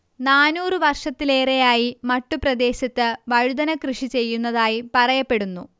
നാനൂറ് വർഷത്തിലേറെയായി മട്ടുപ്രദേശത്ത് വഴുതന കൃഷി ചെയ്യുന്നതായി പറയപ്പെടുന്നു